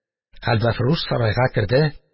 Хәлвәфрүш сарайга керде.